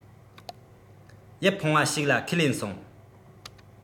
ཡིད ཕངས བ ཞིག ལ ཁས ལེན སོང